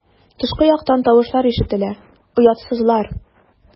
Тышкы яктан тавышлар ишетелә: "Оятсызлар!"